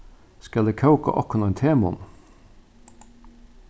skal eg kóka okkum ein temunn